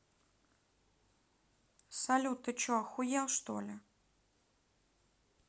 салют ты че охуел что ли